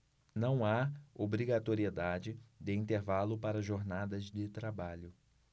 não há obrigatoriedade de intervalo para jornadas de trabalho